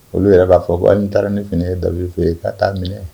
Olu yɛrɛ b'a fɔ ko an ni taara ne fini ye dabife ye ka taaa minɛ